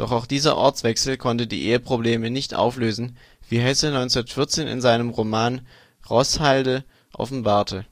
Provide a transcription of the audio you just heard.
auch dieser Ortswechsel konnte die Eheprobleme nicht auflösen, wie Hesse 1914 in seinem Roman " Roßhalde " offenbarte